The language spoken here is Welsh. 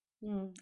Hmm.